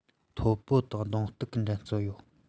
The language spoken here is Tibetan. ཐའོ པའོ དང གདོང གཏུག གི འགྲན རྩོད ཡོད